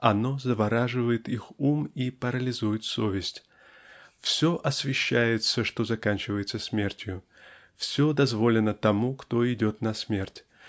Оно завораживает их ум и парализует совесть все освящается что заканчивается смертью все дозволено тому кто идет на смерть